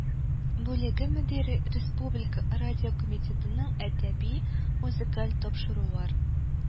Бүлеге мөдире, республика радиокомитетының әдәби-музыкаль тапшырулар